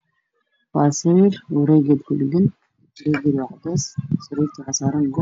Baasimir guriga ku dhagan waa cades